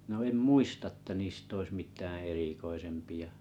no en muista että niistä olisi mitään erikoisempia